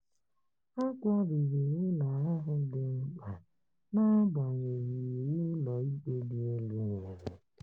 A kwariri ụlọ ahụ dị mkpa na-agbanyeghị Iwu Ụlọikpe Dị Elu nyere.